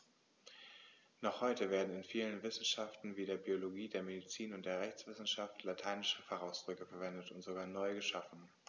Noch heute werden in vielen Wissenschaften wie der Biologie, der Medizin und der Rechtswissenschaft lateinische Fachausdrücke verwendet und sogar neu geschaffen.